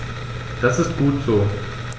Das ist gut so.